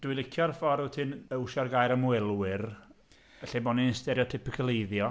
Dwi'n licio'r ffordd ti'n iwsio'r gair ymwelwyr, yn lle bo' ni'n stereotypicoleiddio.